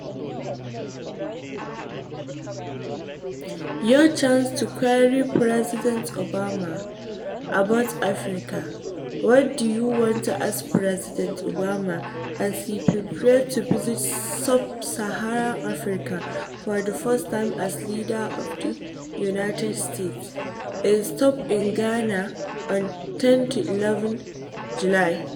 Your chance to query President Obama about Africa: What do you want to ask President Obama as he prepares to visit sub-Saharan Africa for the first time as leader of the United States – a stop in Ghana on 10-11 July?